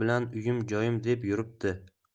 bilan uyim joyim deb yuribdi